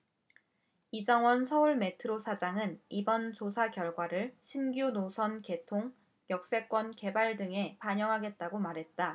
이정원 서울메트로 사장은 이번 조사 결과를 신규노선 개통 역세권 개발 등에 반영하겠다고 말했다